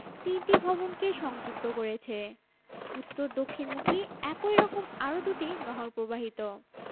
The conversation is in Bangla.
তিনটি ভবনকে সংযুক্ত করেছে উত্তর দক্ষিণমুখী একই রকম আরও দুটি নহর প্রবাহিত